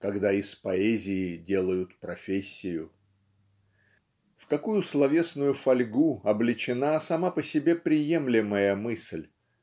когда из поэзии делают профессию" В какую словесную фольгу облечена сама по себе приемлемая мысль